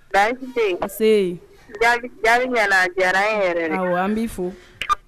Baasi te ye nsee jaabi jaabi ɲaga a diyar'an ye yɛrɛ de awɔ an b'i fo